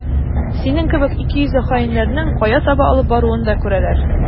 Синең кебек икейөзле хаиннәрнең кая таба алып баруын да күрәләр.